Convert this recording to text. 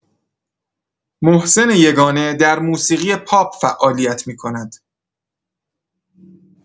محسن یگانه در موسیقی پاپ فعالیت می‌کند.